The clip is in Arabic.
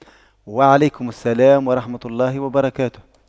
وعليكم السلام ورحمة الله وبركاته